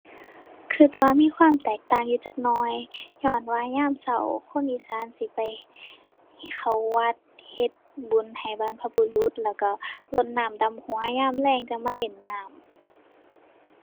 คิดว่ามีความแตกต่างอยู่จักหน่อย ญ้อนว่ายามคิดคนอีสานสิไปเข้าวัด เฮ็ดบุญให้บรรพบุรุษ แล้วคิดรดน้ำดำหัว ยามแลงจั่งมาเล่นน้ำ